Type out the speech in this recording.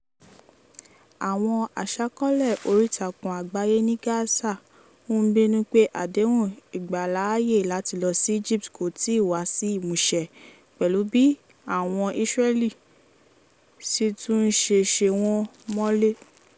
Àwọn aṣàkọọ́lẹ̀ oríìtakùn àgbáyé ní Gaza ń bínú pé àdéhùn ìgbàláàyè láti lọ sí Egypt kò tíì wá sí ìmúṣẹ, pẹ̀lú bí àwọn Isreali sì tún ṣe sé wọn mọ́lé.